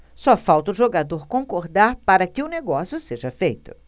só falta o jogador concordar para que o negócio seja feito